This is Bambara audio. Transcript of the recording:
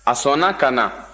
a sɔnna ka na